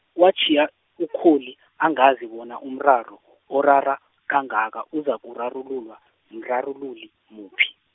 watjhiya Ukholi, angazi bona umraro , orara, kangaka, uzakurarululwa, mrarululi muphi.